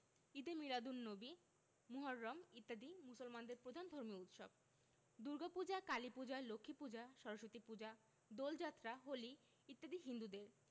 ঈদে মীলাদুননবী মুহররম ইত্যাদি মুসলমানদের প্রধান ধর্মীয় উৎসব দুর্গাপূজা কালীপূজা লক্ষ্মীপূজা সরস্বতীপূজা দোলযাত্রা হোলি ইত্যাদি হিন্দুদের